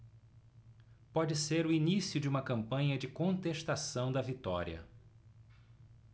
pode ser o início de uma campanha de contestação da vitória